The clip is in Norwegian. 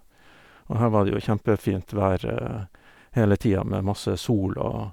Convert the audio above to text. Og her var det jo kjempefint vær hele tida, med masse sol og...